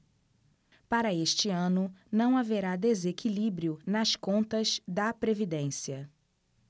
para este ano não haverá desequilíbrio nas contas da previdência